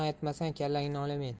aytmasang kallangni olamen